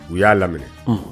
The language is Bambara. U y'a laminɛ